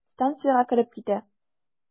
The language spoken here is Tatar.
Станциягә кереп китә.